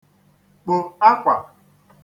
kpò akwà